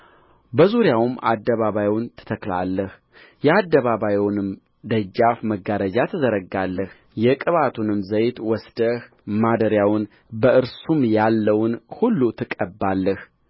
በዙሪያውም አደባባዩን ትተክላለህ የአደባባዩንም ደጃፍ መጋረጃ ትዘረጋለህ የቅብዓቱንም ዘይት ወስደህ ማደሪያውን በእርሱም ያለውን ሁሉ ትቀባለህ